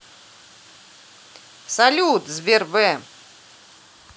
салют сбер б